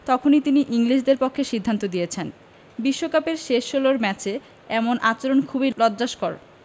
তখনই তিনি ইংলিশদের পক্ষে সিদ্ধান্ত দিয়েছেন বিশ্বকাপের শেষ ষোলর ম্যাচে এমন আচরণ খুবই লজ্জাস্কর